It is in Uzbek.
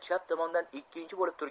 chap tomondan ikkinchi bo'lib turgan